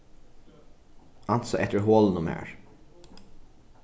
ansa eftir holinum har